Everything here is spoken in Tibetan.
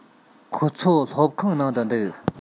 ཁོ ཚོ སློབ ཁང ནང དུ འདུག